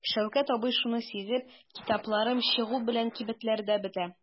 Шәүкәт абый шуны сизеп: "Китапларым чыгу белән кибетләрдә бетә".